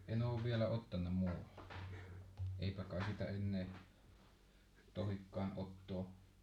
en ole vielä ottanut muualla eipä kai sitä enää tohdikaan ottaa